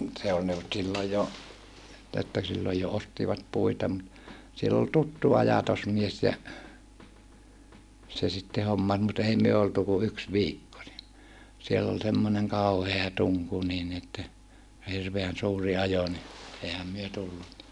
se oli ne oli silloin jo että silloin jo ostivat puita mutta siellä oli tuttu ajatusmies ja se sitten hommasi mutta ei me oltu kuin yksi viikko niin siellä oli semmoinen kauhea tunku niin niin että ja hirveän suuri ajo niin eihän me tullut